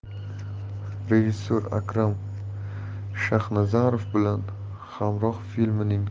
rejissor akrom shaxnazarov bilan hamroh filmining